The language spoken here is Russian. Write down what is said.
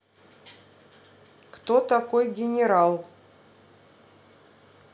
кто такой генерал